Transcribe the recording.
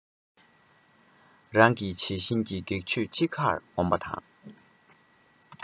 རང གི བྱད བཞིན གྱི སྒེག ཆོས ཅི འགར ངོམ པ དང